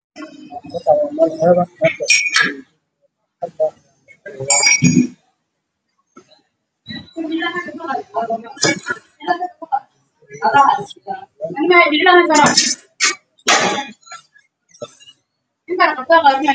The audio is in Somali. Meeshaan waa meel xeeb ah